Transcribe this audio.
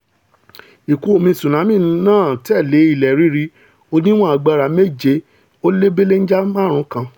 Ìkún-omi tsunami náà tẹ̀lé ilẹ̀ rírì oníwọ̀n agbára 7.5 kan.